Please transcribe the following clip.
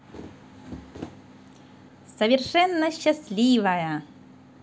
совершенно счастливая